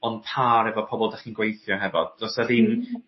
on par efo pobol 'dach chi'n gweithio hefo do's 'a ddim